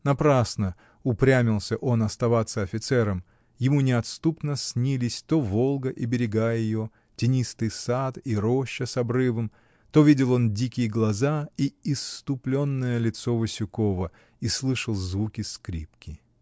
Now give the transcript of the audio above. Напрасно упрямился он оставаться офицером, ему неотступно снились то Волга и берега ее, тенистый сад и роща с обрывом, то видел он дикие глаза и исступленное лицо Васюкова и слышал звуки скрипки.